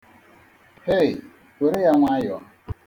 Hei, were ya nwayọ!